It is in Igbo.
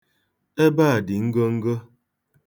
Ebe a dị ngongo.